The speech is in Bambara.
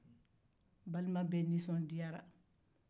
balima bɛɛ nisɔndiyara